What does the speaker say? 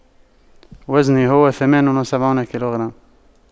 وزني هو ثمان وسبعون كيلوغرام